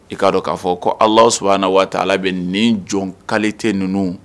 I k'a dɔn k'a fɔ ko ala su na waati ala bɛ nin jɔn kali tɛ ninnu